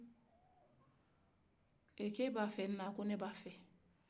ee ko e bɛ a fɛ ina ko k'ale bɛ a fɛ